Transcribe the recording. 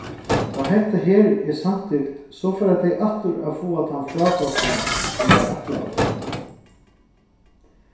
tá hetta her er samtykt so fara tey aftur at fáa tann frádráttin sum var ætlaður